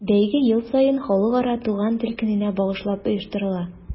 Бәйге ел саен Халыкара туган тел көненә багышлап оештырыла.